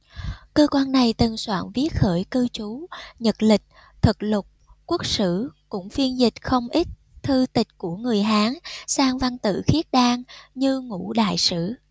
cơ quan này từng soạn viết khởi cư chú nhật lịch thực lục quốc sử cũng phiên dịch không ít thư tịch của người hán sang văn tự khiết đan như ngũ đại sử